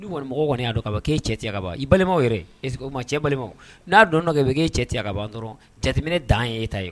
Ni kɔni mɔgɔ kɔni' don a bɛ ko'e cɛ ka ban i balimaw yɛrɛ cɛ balima n'a dɔn dɔ kɛ bɛ e cɛya ka ban dɔrɔn cɛminɛ dan ye e ta ye